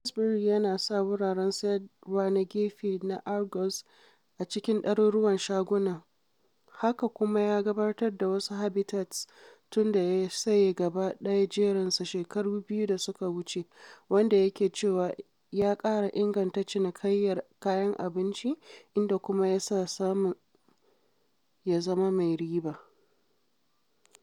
Sainsbury’s yana sa wuraren sayarwa na gefe na Argos a cikin ɗaruruwan shaguna haka kuma ya gabatar da wasu Habitats tun da ya saye gaba ɗaya jerinsu shekaru biyu da suka wuce, wanda yake cewa ya ƙara inganta cinikayyar kayan abinci inda kuma ya sa samun ya zama mai riba.